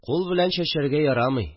Кул белән чәчәргә ярамый